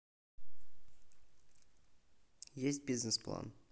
есть бизнес план